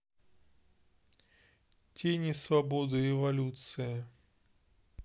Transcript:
тени свободы эволюция